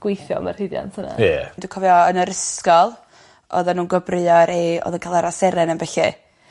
gweithio am y llwyddiant yna. Ie. Dwi cofio yn yr ysgol oddan nw'n gwobrwyo rei odd yn ca'l Ara seren a bellu.